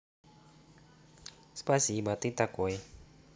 спасибо ты такой